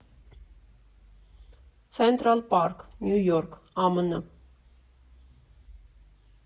Ցենտրալ պարկ, Նյու Յորք, ԱՄՆ։